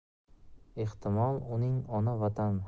ehtimol uning ona vatan